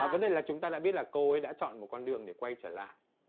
mà vấn đề là chúng ta đã biết là cô ấy đã chọn một con đường để quay trở lại